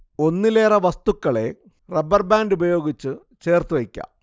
ഒന്നിലെറെ വസ്തുക്കളെ rubber band ഉപയോഗിച്ച് ചേർത്തു വയ്ക്കാം